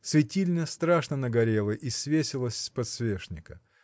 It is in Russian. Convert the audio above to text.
Светильня страшно нагорела и свесилась с подсвечника.